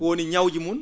ko woni ñawuuji mun